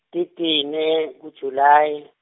titine ku- July.